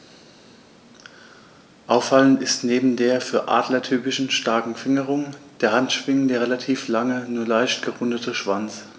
Auffallend ist neben der für Adler typischen starken Fingerung der Handschwingen der relativ lange, nur leicht gerundete Schwanz.